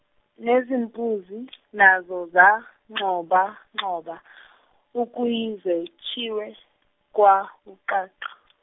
nezimpunzi nazo zagxobagxoba ukuyize- -tshiwe kwa- ucaca.